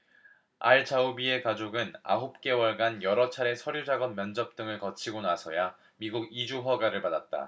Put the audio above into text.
알 자우비의 가족은 아홉 개월간 여러 차례 서류작업 면접 등을 거치고 나서야 미국 이주 허가를 받았다